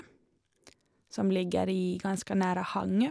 Som ligger i ganske nære Hangö.